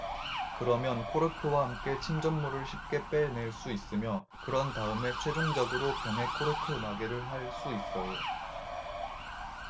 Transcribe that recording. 그러면 코르크와 함께 침전물을 쉽게 빼낼 수 있으며 그런 다음에 최종적으로 병에 코르크 마개를 할 수 있어요